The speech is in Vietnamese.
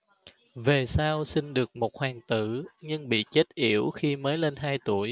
về sau sinh được một hoàng tử nhưng bị chết yểu khi mới lên hai tuổi